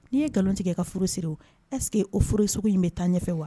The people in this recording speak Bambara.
N'i ye nkalon tigɛ ka furu siri est- ce que o furu sugu in bɛ taa ɲɛ fɛ wa?